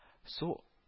Су